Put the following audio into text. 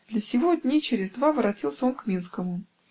Для сего дни через два воротился он к Минскому